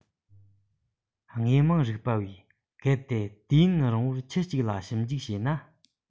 དངོས མང རིག པ བས གལ ཏེ དུས ཡུན རིང བོར ཁྱུ གཅིག ལ ཞིབ འཇུག བྱས ན